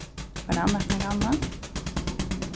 var tað annars nakað annað